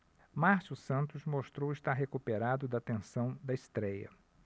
márcio santos mostrou estar recuperado da tensão da estréia